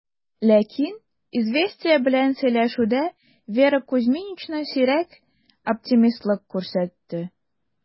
Ләкин "Известия" белән сөйләшүдә Вера Кузьминична сирәк оптимистлык күрсәтте: